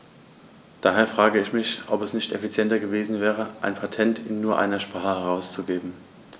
Daher frage ich mich, ob es nicht effizienter gewesen wäre, ein Patent in nur einer Sprache herauszugeben.